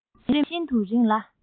བྱུང རིམ ནི ཤིན ཏུ རིང ལ